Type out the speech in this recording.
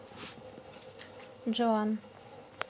джоан